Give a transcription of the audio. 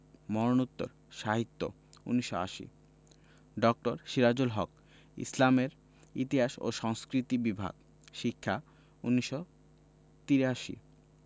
মরণোত্তর সাহিত্য ১৯৮০ ড. সিরাজুল হক ইসলামের ইতিহাস ও সংস্কৃতি বিভাগ শিক্ষা ১৯৮৩